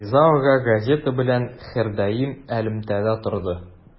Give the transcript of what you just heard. Риза ага газета белән һәрдаим элемтәдә торды.